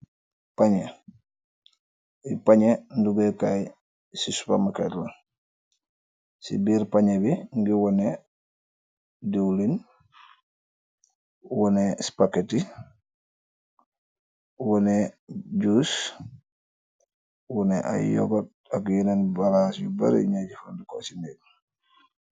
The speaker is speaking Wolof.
pañye ndugeh kaay ci supamakat la ci biir pañye bi ngir woneh duwlin wone spaketi woneh jus woneh ay yogot ak yeneen bagaas yu bari yu nyuy jifandko ci neek